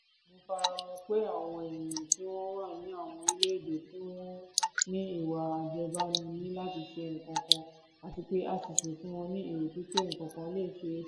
Mo faramọ pé àwọn èèyàn tí wọ́n wà ní àwọn orílẹ̀-èdè tí wọ́n ní ìwà àjẹbánu ní láti ṣe nǹkankan àti pé ICC fún wọn ní ìrètí pé nǹkankan le ṣeéṣe.